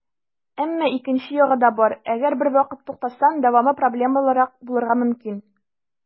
Әмма икенче ягы да бар - әгәр бервакыт туктасаң, дәвамы проблемалырак булырга мөмкин.